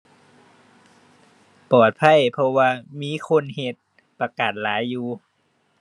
ปลอดภัย เพราะว่ามีคนเฮ็ดประกันหลายอยู่